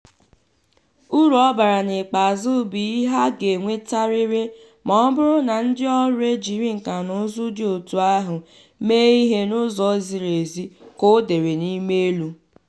Uru ọ bara n'ikpeazụ bụ ihe a ga-enwetarịrị ma ọ bụrụ na ndị ọrụ e jiri nkànaụzụ dị otú ahụ mee ihe n'ụzọ ziri ezi," ka o dere n'imeelụ.